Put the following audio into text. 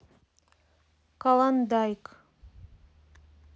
колондайк